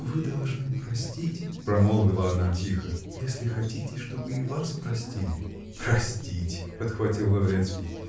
-- Вы должны простить, -- промолвила она тихо, -- если хотите, чтобы и вас простили. -- Простить! -- подхватил Лаврецкий.